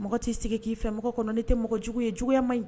Mɔgɔ t'i sigi k'i fɛ mɔgɔ kɔnɔ ne tɛ mɔgɔjugu ye juguya man